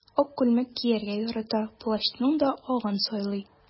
Ак күлмәк кияргә ярата, плащның да агын сайлый.